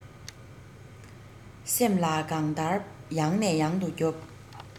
སེམས ལ གད བདར ཡང ནས ཡང དུ རྒྱོབ